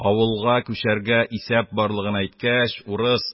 Авылга күчәргә исәп барлыгын әйткәч, рус: -